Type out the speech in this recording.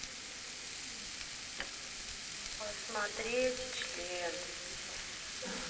посмотреть член